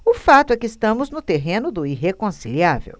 o fato é que estamos no terreno do irreconciliável